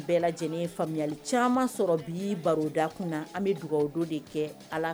Bɛɛ lajɛlen yeli caman sɔrɔ bi baroda kun na an bɛ dugawu don de kɛ ala